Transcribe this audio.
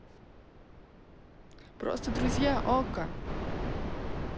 просто друзья okko